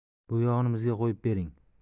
bu yog'ini bizga qo'yib bering